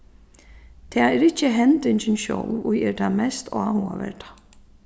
tað er ikki hendingin sjálv ið er tað mest áhugaverda